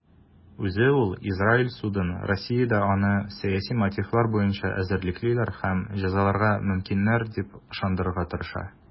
Үзе ул Израиль судын Россиядә аны сәяси мотивлар буенча эзәрлеклиләр һәм җәзаларга мөмкиннәр дип ышандырырга тырыша.